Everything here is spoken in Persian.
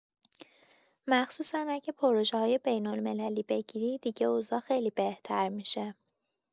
مخصوصا اگه پروژه‌های بین‌المللی بگیری، دیگه اوضاع خیلی بهتر می‌شه.